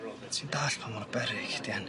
Ti'n dallt pa mor beryg 'di hyn?